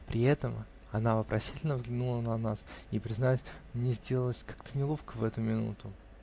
При этом она вопросительно взглянула на нас, и, признаюсь, мне сделалось как-то неловко в эту минуту.